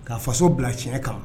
Ka faso bila tiɲɛ kan